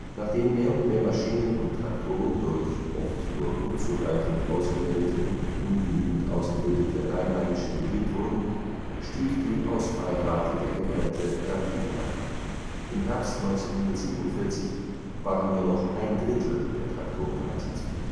Nachdem mehr und mehr Maschinen und Traktoren durch - oft nur unzureichend ausgewählte und ungenügend ausgebildete - Einheimische bedient wurden, stieg die Ausfallrate der Geräte rapide an. Im Herbst 1947 waren nur noch ein Drittel der Traktoren einsatzfähig